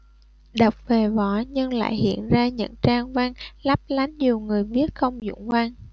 đọc về võ nhưng lại hiện ra những trang văn lấp lánh dù người viết không dụng văn